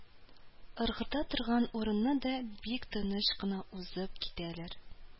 Ыргыта торган урынны да бик тыныч кына узып китәләр